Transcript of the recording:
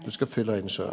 du skal fylla inn sjølv.